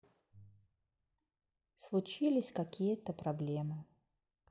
случились какие то проблемы